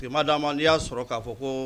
I ma d'a ma n'i y'a sɔrɔ k'a fɔ ko